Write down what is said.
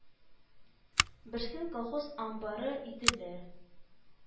Берсен колхоз амбары иттеләр